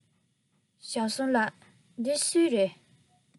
ཞའོ སུང ལགས འདི ཚོ སུའི རེད